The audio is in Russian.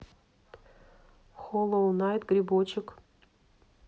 холоу найт грибочек